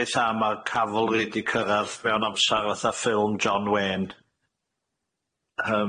Reit dda ma'r Cavalry di cyrradd mewn amsar fatha ffilm John Wayne.